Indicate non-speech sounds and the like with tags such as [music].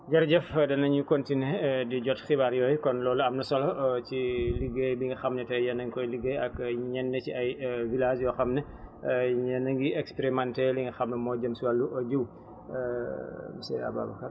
jërëjëf danañu continuer [hesitation] di jot xibaar yooyu kon loolu am na solo [hesitation] si liggéey bi nga xam ne tay yéen a ngi koy liggéey ak ñenn ci ay [hesitation] villages yoo xam ne [hesitation] ñu ngi expérimenter li nga xam ne moo jëm ci wàllu jiw [hesitation] monsieur Ababacar